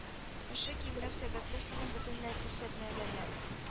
Кеше килмәү сәбәпле фильм бөтенләй күрсәтелмәгән